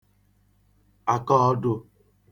akọọdụ̄